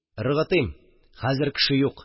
Ыргытыйм, хәзер кеше юк